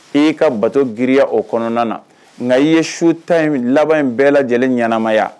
I'i ka bato giririyaya o kɔnɔna na nka i ye su ta in laban in bɛɛ lajɛlen ɲɛnaanamaya